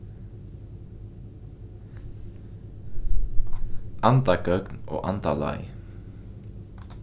andagøgn og andaleið